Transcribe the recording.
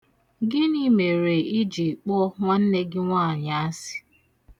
Gịnị mere ị ji kpọ nwanne gị nwanyị asị?